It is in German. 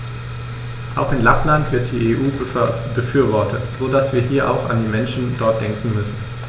Auch in Lappland wird die EU befürwortet, so dass wir hier auch an die Menschen dort denken müssen.